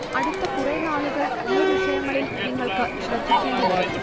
അടുത്തകുറെ നാളുകൾ ഈ വിഷയങ്ങളിൽ നിങ്ങൾക്ക് ശ്രദ്ധിക്കേണ്ടി വരും